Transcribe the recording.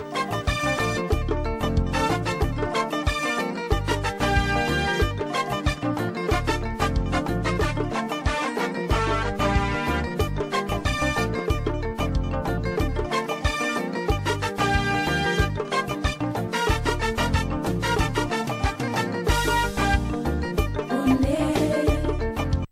Maa laban